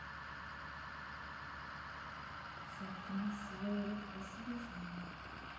заткнись свой рот послушай меня